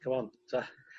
...c'mon 'ta.